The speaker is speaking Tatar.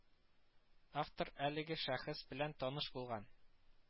Автор әлеге шәхес белән таныш булган